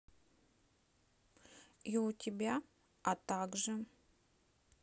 и у тебя а также